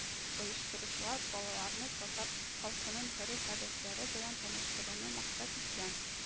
Оештыручылар балаларны татар халкының гореф-гадәтләре белән таныштыруны максат иткән